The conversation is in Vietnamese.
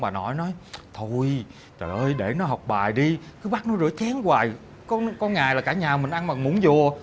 bà nội nói thôi trời ơi để nó học bài đi cứ bắt nó rửa chén hoài có có ngày là cả nhà mình ăn bằng muỗng dùa